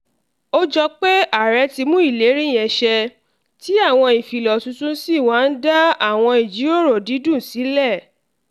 Ó jọ pé ààrẹ ti mú ìlérí yẹn ṣẹ, tí àwọn ìfilọ̀ tuntun sì wá ń dá àwọn ìjíròrò dídùn sílẹ̀.